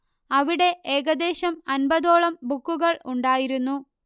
അവിടെ ഏകദേശം അമ്പതോളം ബുക്കുകൾ ഉണ്ടായിരുന്നു